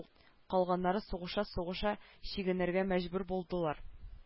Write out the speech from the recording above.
Калганнары сугыша-сугыша чигенергә мәҗбүр булдылар